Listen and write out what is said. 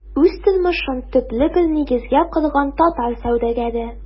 Үз тормышын төпле бер нигезгә корган татар сәүдәгәре.